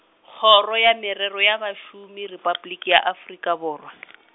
Kgoro ya Merero ya Bašomi Repabliki ya Afrika Borwa .